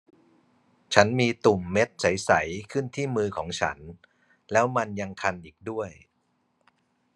ฉันมีตุ่มเม็ดใสใสขึ้นที่มือของฉันแล้วมันยังคันอีกด้วย